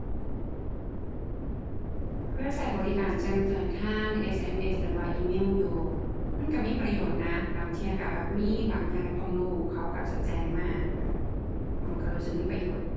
เคยใช้บริการแจ้งเตือนทาง SMS หรือว่าอีเมลอยู่ มันใช้มีประโยชน์นะ บางเที่ยใช้แบบมีบางอย่างต้องรู้เขาใช้จะแจ้งมา ใช้ ใช้รู้สึกมีประโยชน์